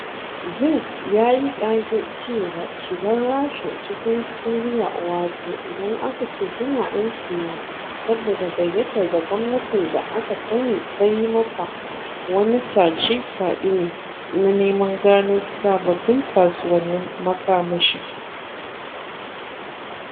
Zinke ya yi ƙage cewa shigar Rasha cikin Siriya - wato, inda aka ce tana aiki ne saboda gayyatar da gwamnatin da aka sani ta yi mata - wani shaci-faɗi ne na neman gano sababbin kasuwannin makamashi.